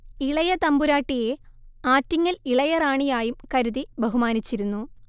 ഇളയ തമ്പുരാട്ടിയെ ആറ്റിങ്ങൽ ഇളയ റാണിയായും കരുതി ബഹുമാനിച്ചിരുന്നു